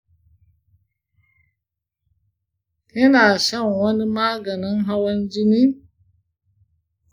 kina shan wani maganin hawan jini?